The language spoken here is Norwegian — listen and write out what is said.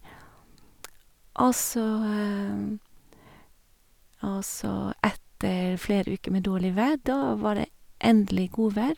og så Og så etter flere uker med dårlig vær, da var det endelig godvær.